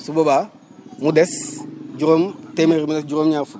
su boobaa mu des juróom téeméer bu nekk juróom-ñaar fukk